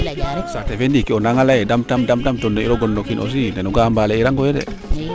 saate fe ndiiki ona leyta yee damtaam damtaam to ne'iro gon no kiin aussi ne o ga'a mbaale irangoyo de